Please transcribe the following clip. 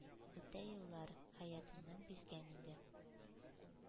Үтә еллар... Хәятыннан бизгән инде...